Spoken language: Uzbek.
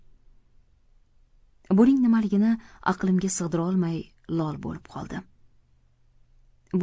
buning nimaligini aqlimga sig'dira olmay lol bo'lib qoldim